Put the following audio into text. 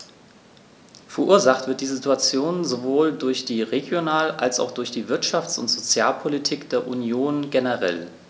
Verursacht wird diese Situation sowohl durch die Regional- als auch durch die Wirtschafts- und Sozialpolitik der Union generell.